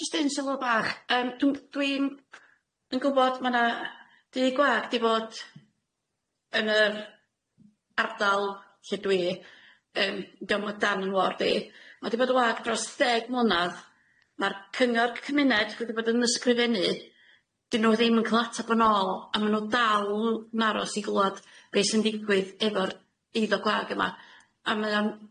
Jyst un sylw bach yym dw- dwi'n dwi'n gwbod ma' 'na yy dŷ gwag 'di bod yn yr ardal lle dwi yym 'nd dio'm o dan 'yn ward i. Ma' 'di bod wag dros ddeg mlynadd ma'r cyngor cymuned wedi bod yn ysgrifennu 'dyn nw ddim yn ca'l atab yn ôl a ma' nw dal yn aros i glywad be' sy'n digwydd efo'r eiddo gwag yma a mae o'n